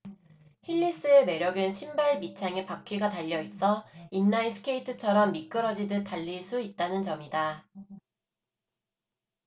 힐리스의 매력은 신발 밑창에 바퀴가 달려 있어 인라인스케이트처럼 미끄러지듯 달릴 수 있다는 점이다